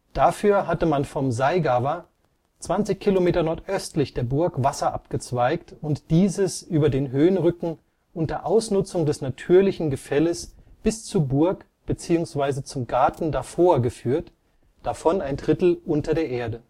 Dafür hatte man vom Saigawa 20 km nordöstlich der Burg Wasser abgezweigt und dieses über den Höhenrücken unter Ausnutzung des natürlichen Gefälles bis zur Burg bzw. zum Garten davor geführt, davon ein Drittel unter der Erde